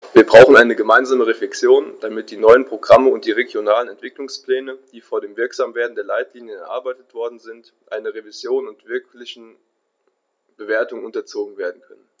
Wir brauchen eine gemeinsame Reflexion, damit die neuen Programme und die regionalen Entwicklungspläne, die vor dem Wirksamwerden der Leitlinien erarbeitet worden sind, einer Revision und wirklichen Bewertung unterzogen werden können.